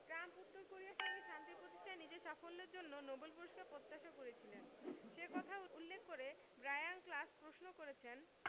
Trump উত্তর কোরিয়ার সঙ্গে শান্তি প্রতিষ্ঠায় নিজের সাফল্যের জন্য নোবেল পুরস্কার প্রত্যাশা করেছিলেন সে কথা উল্লেখ করে ব্রায়ান ক্লাস প্রশ্ন করেছেন